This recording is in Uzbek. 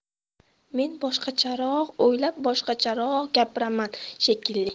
men boshqacharoq o'ylab boshqacharoq gapiraman shekilli